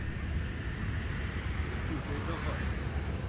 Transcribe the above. не путай давай